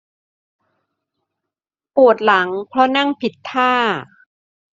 ปวดหลังเพราะนั่งผิดท่า